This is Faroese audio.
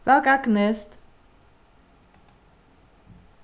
væl gagnist